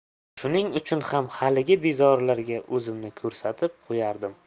shuning uchun ham haligi bezorilarga o'zimni ko'rsatib qo'yardim